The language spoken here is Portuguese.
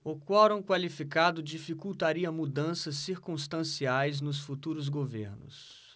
o quorum qualificado dificultaria mudanças circunstanciais nos futuros governos